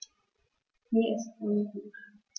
Mir ist ungut.